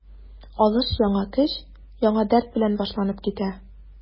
Алыш яңа көч, яңа дәрт белән башланып китә.